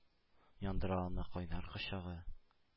Яндыра аны кайнар кочагы.